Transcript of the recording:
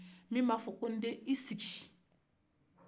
min bɛ a fɔ ko n den i sigi